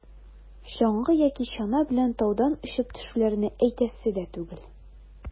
Чаңгы яки чана белән таудан очып төшүләрне әйтәсе дә түгел.